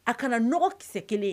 A kana nɔgɔ kisɛ 1 ye